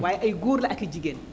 waaye ay góor la ak i jigéen